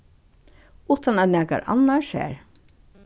uttan at nakar annar sær